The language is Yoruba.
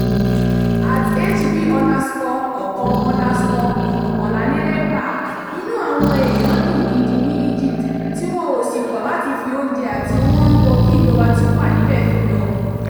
@HB_1_2011: inú àwọn èèyàn dùn gidi ní egypt, tí wọ́n ò sì kọ̀ láti fi oúnjẹ àti owó rúbọ kí ìjọba tí ó wà níbẹ̀ fi lọ #jan25 #egypt.